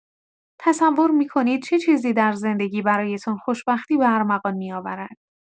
تصور می‌کنید چه چیزی در زندگی برایتان خوشبختی به ارمغان می‌آورد؟